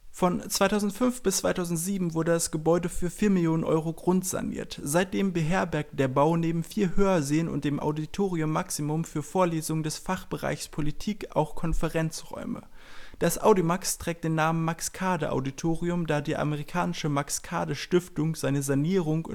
Von 2005 bis 2007 wurde das Gebäude für vier Millionen Euro grundsaniert. Seitdem beherbergt der Bau neben 4 Hörsälen und dem Auditorium maximum für Vorlesungen des Fachbereichs Politik auch Konferenzräume. Das Audimax trägt den Namen „ Max-Kade-Auditorium “, da die amerikanische Max-Kade-Stiftung seine Sanierung